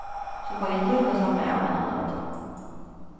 so fái eg líka slappað av eina løtu